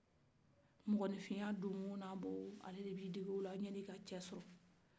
mɔgɔnifinya donwɔ ni a bɔwɔ yani i cɛ sɔrɔ